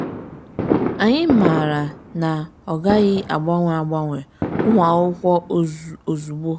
‘Anyị maara na ọ gaghị agbanwe agwa ụmụ akwụkwọ ozugbo.